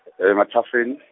eMathafeng.